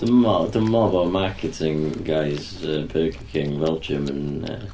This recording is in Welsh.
Dwi'm yn meddwl dwi'm yn meddwl bod marketing guys, uh, Burger King Belgium yn yy...